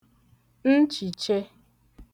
nchìche